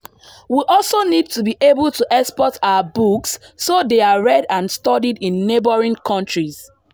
We also need to be able to export our books so they are read and studied in neighbouring countries.